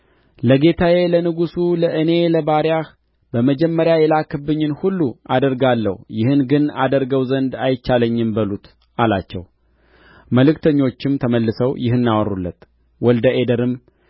ለጌታዬ ለንጉሥ ለእኔ ለባሪያህ በመጀመሪያ የላክህብኝ ሁሉ አደርጋለሁ ይህን ግን አደርገው ዘንድ አይቻለኝም በሉት አላቸው መልእክተኞችም ተመልሰው ይህን አወሩለት ወልደ አዴርም